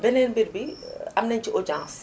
beneen mbir bi am nañu ci audience